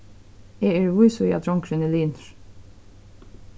eg eri vís í at drongurin er linur